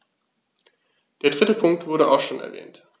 Der dritte Punkt wurde auch schon erwähnt.